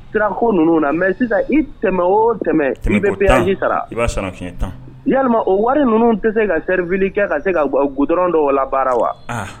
Sira ko ninnu na mais sisan i tɛmɛ o tɛmɛ, tɛmɛ ko tan, i bɛ péage i b'a sara siyan tan , yalima o wari ninnu tɛ se ka servir kɛ ka se ka goudron dɔ labaara wa? ah